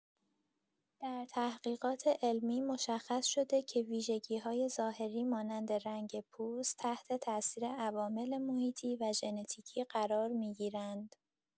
در تحقیقات علمی، مشخص شده که ویژگی‌های ظاهری مانند رنگ پوست، تحت‌تأثیر عوامل محیطی و ژنتیکی قرار می‌گیرند.